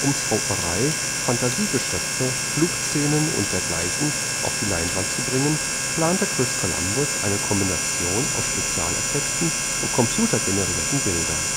Zauberei, Fantasiegeschöpfe, Flugszenen und dergleichen auf die Leinwand zu bringen, plante Chris Columbus eine Kombination aus Spezialeffekten und computer-generierten Bildern